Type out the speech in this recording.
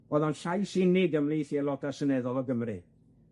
Oedd o'n llais unig ymhlith i aeloda' seneddol o Gymru.